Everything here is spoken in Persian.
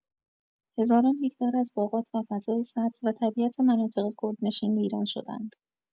هزاران هکتار از باغات و فضای سبز و طبیعت مناطق کوردنشین ویران شدند.